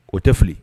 O tɛ fili